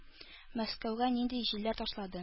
Мәскәүгә нинди җилләр ташлады?